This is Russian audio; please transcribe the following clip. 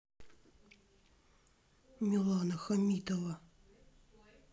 милана хамитова